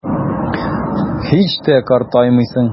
Һич тә картаймыйсың.